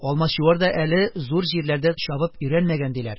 Алмачуар да әле зур җирләрдән чабып өйрәнмәгән, - диләр.